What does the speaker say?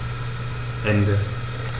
Ende.